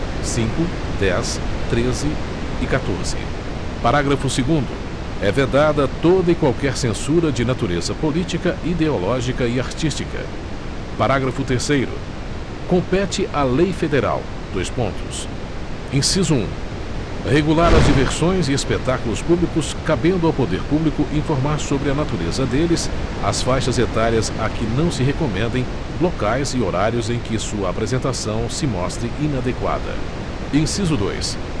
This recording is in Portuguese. cinco dez treze e catorze parágrafo segundo é vedada toda e qualquer censura de natureza política ideológica e artística parágrafo terceiro compete à lei federal dois pontos inciso um regular as diversões e espetáculos públicos cabendo ao poder público informar sobre a natureza deles as faixas etárias a que não se recomendem locais e horários em que sua apresentação se mostre inadequada inciso dois